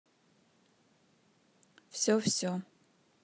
все все